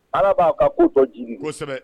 Ala b'a ka ko tɔ jiidi kosɛbɛ.